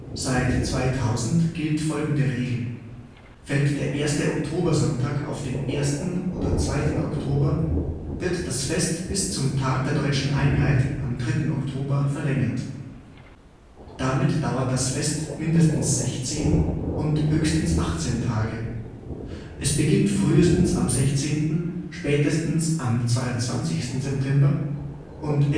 Seit 2000 gilt folgende Regel: Fällt der erste Oktobersonntag auf den 1. oder 2. Oktober, wird das Fest bis zum Tag der Deutschen Einheit am 3. Oktober verlängert. Damit dauert das Fest mindestens 16 und höchstens 18 Tage; es beginnt frühestens am 16., spätestens am 22. September und